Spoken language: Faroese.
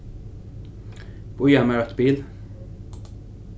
bíða mær eitt bil